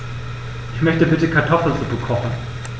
Ich möchte bitte Kartoffelsuppe kochen.